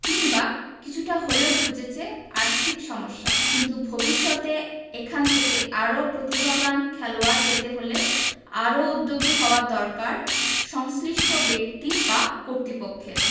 কিংবা কিছুটা হলেও ঘুচেছে আর্থিক সমস্যা কিন্তু ভবিষ্যতে এখান থেকে আরও প্রতিভাবান খেলোয়াড় পেতে হলে আরও উদ্যোগী হওয়া দরকার সংশ্লিষ্ট ব্যক্তি বা কর্তৃপক্ষের